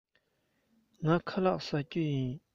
ངས ཁ ལག བཟས མེད